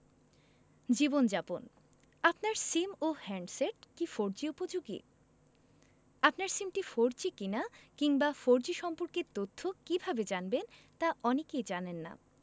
জীবনযাপন আপনার সিম ও হ্যান্ডসেট কি ফোরজি উপযোগী আপনার সিমটি ফোরজি কিনা কিংবা ফোরজি সম্পর্কে তথ্য কীভাবে জানবেন তা অনেকেই জানেন না